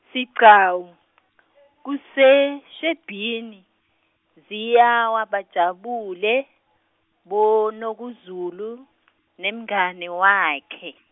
Sigcawu, Kuseshibhini, ziyawa bajabulile, boNokuzola, nemngani wakhe.